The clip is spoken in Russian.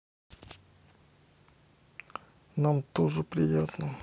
нам тоже приятно